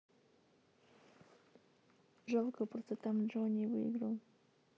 жалко просто там джонни выиграл